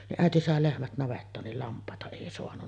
niin äiti sai lehmät navettaan niin lampaita ei saanut